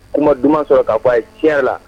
Kuma duman sɔrɔ ka fɔ a ye tiɲɛ la.